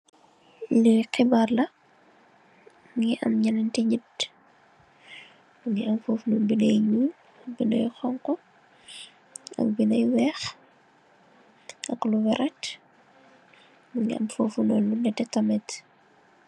Li heebar la, mungi am ñènt nit. Nungi am fofunoon binda yu ñuul, binda yu honku ak binda yu weeh ak lu vert mungi am fofunoon nètè tamit.